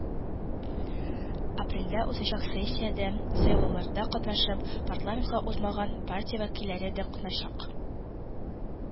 Апрельдә узачак сессиядә, сайлауларда катнашып, парламентка узмаган партия вәкилләре дә катнашачак